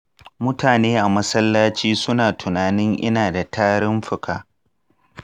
mutane a masallaci suna tunanin ina da tarin fuka.